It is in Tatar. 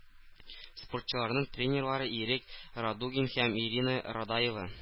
Спортчыларның тренерлары - Ирек Радугин һәм Ирина Радаева.